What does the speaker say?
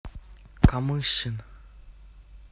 камышин